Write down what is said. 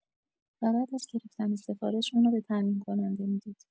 و بعد از گرفتن سفارش اونو به تامین‌کننده می‌دید.